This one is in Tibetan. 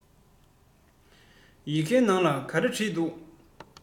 ཡི གེའི ནང ག རེ བྲིས འདུག